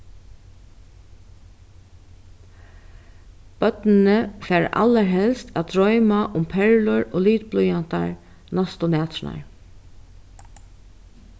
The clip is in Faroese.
børnini fara allarhelst at droyma um perlur og litblýantar næstu næturnar